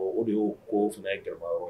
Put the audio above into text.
O de y'u ko fana ye ga